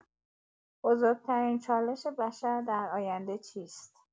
بزرگ‌ترین چالش بشر در آینده چیست؟